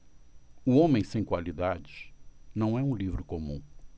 o homem sem qualidades não é um livro comum